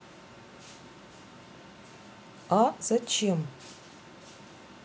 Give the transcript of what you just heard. а зачем